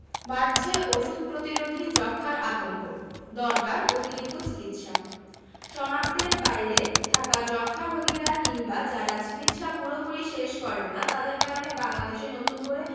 বাড়ছে ওষুধ প্রতিরোধী যক্ষ্মার আতঙ্ক দরকার অতিরিক্ত চিকিৎসা শনাক্তের বাইরে থাকা যক্ষ্মা রোগীরা কিংবা যারা চিকিৎসা পুরোপুরি শেষ করেন না তাদের কারণে বাংলাদেশে নতুন করে